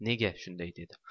nega shunday dedi